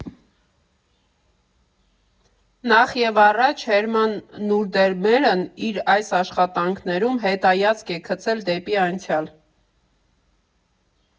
Նախևառաջ Հերման Նուրդերմերն իր այս աշխատանքներում հետայացք է գցել դեպի անցյալ.